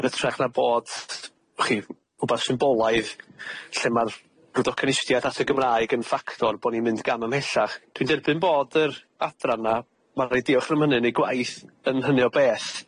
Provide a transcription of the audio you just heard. yn hytrach na bod, wchi, wbath symbolaidd lle ma'r ryw docynistiaeth at y Gymraeg yn ffactor bo ni'n mynd gam ymhellach dwi'n derbyn bod yr adran 'na ma'n roi diolch am hynny yn ei gwaith yn hynny o beth